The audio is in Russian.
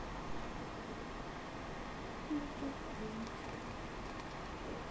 ютуб лунтик